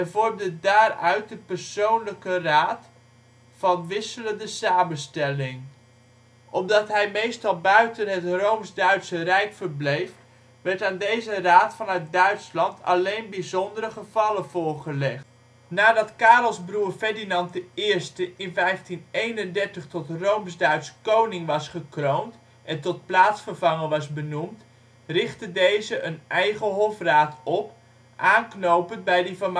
vormde daaruit een persoonlijke raad van wisselende samenstelling. Omdat hij meestal buiten het Rooms-Duitse Rijk verbleef, werden aan deze raad vanuit Duitsland alleen bijzondere gevallen voorgelegd. Nadat Karels broer Ferdinand I in 1531 tot Rooms-Duits koning was gekroond en tot plaatsvervanger was benoemd, richtte deze een eigen hofraad op, aanknopend bij die van